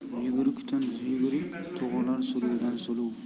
yugurukdan yuguruk tug'ilar suluvdan suluv